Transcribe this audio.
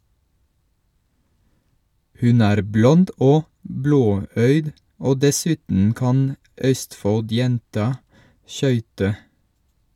Hun er blond og blåøyd, og dessuten kan Østfold-jenta skøyte.